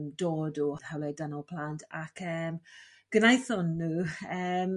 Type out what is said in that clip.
e'n dod o hawlia' dynol plant ac yym gwnaethon n'w yym